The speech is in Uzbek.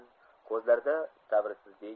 ko'zlarida sabrsizlik